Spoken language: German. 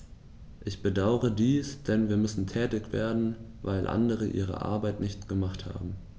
Ich bedauere dies, denn wir müssen tätig werden, weil andere ihre Arbeit nicht gemacht haben.